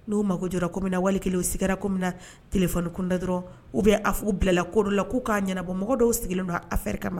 N'u mago jɔra ko min na wali kelen u sigara ko min na téléphone fkunda dɔrɔn ou bien u bilala ko dɔ la k'u k'a ɲɛnabɔ mɔgɔ dɔw sigilen don affaire kama